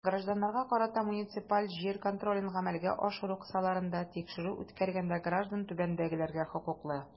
Гражданнарга карата муниципаль җир контролен гамәлгә ашыру кысаларында тикшерү үткәргәндә граждан түбәндәгеләргә хокуклы.